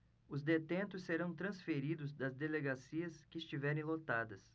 os detentos serão transferidos das delegacias que estiverem lotadas